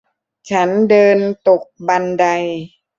ฉันเดินตกบันได